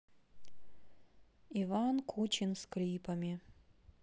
иван кучин с клипами